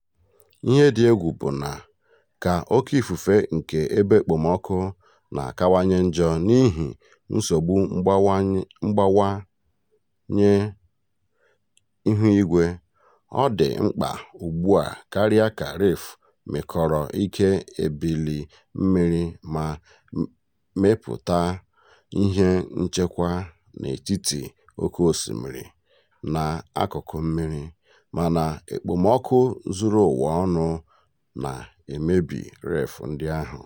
Ihe dị egwu bụ na, ka oké ifufe nke ebe okpomọọkụ na-akawanye njọ n'ihi nsogbu mgbanwe ihuigwe, ọ dị mkpa ugbua karịa ka Reef mịkọrọ ike ebili mmiri ma mepụta ihe nchekwa n'etiti oké osimiri na akụkụ mmiri- mana okpomọọkụ zuru ụwa ọnụ na-emebi Reef ndị ahụ.